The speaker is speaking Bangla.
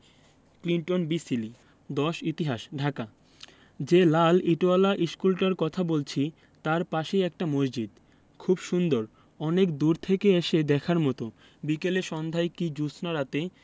ক্লিন্টন বি সিলি ১০ ইতিহাস ঢাকা যে লাল ইটোয়ালা ইশকুলটার কথা বলছি তাই পাশেই একটা মসজিদ খুব সুন্দর অনেক দূর থেকে এসে দেখার মতো বিকেলে সন্ধায় কি জ্যোৎস্নারাতে